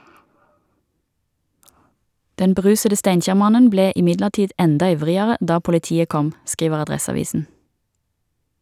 Den berusede Steinkjer-mannen ble imidlertid enda ivrigere da politiet kom , skriver Adresseavisen.